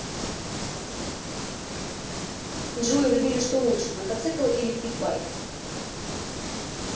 джой выбери что лучше мотоцикл или питбайк